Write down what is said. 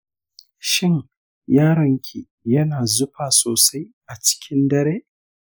shin yaron ki yana zufa sosai a cikin dare?